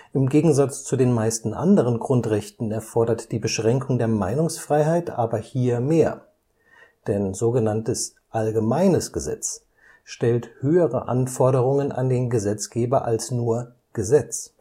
Im Gegensatz zu den meisten anderen Grundrechten erfordert die Beschränkung der Meinungsfreiheit aber hier mehr, denn „ allgemeines “Gesetz stellt höhere Anforderungen an den Gesetzgeber als nur „ Gesetz